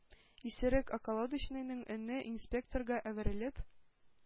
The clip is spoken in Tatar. Исерек околодочныйның өне инспекторга әверелеп: